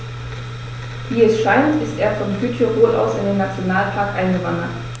Wie es scheint, ist er von Südtirol aus in den Nationalpark eingewandert.